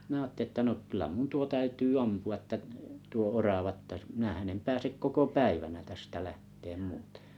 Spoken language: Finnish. minä ajattelin jotta no kyllä minun tuo täytyy ampua että tuo orava jotta minähän en pääse koko päivänä tästä lähtemään muuten